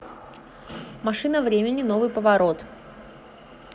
машина времени новый поворот